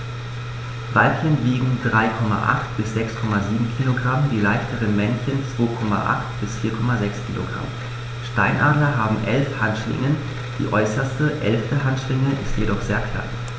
Weibchen wiegen 3,8 bis 6,7 kg, die leichteren Männchen 2,8 bis 4,6 kg. Steinadler haben 11 Handschwingen, die äußerste (11.) Handschwinge ist jedoch sehr klein.